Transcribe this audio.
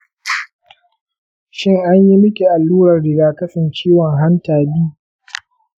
shin an yi miki allurar rigakafin ciwon hanta b?